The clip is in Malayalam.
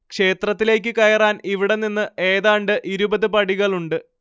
ക്ഷേത്രത്തിലേയ്ക്ക് കയറാൻ ഇവിടെ നിന്ന് ഏതാണ്ട് ഇരുപത് പടികളുണ്ട്